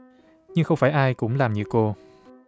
nhưng không phải ai cũng làm như cô